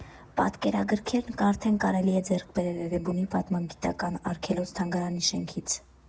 Պատկերագրքերն արդեն կարելի է ձեռք բերել Էրեբունի պատմահնագիտական արգելոց֊թանգարանի շենքից։